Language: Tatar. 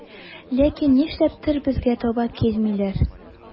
Ләкин нишләптер безгә таба килмиләр.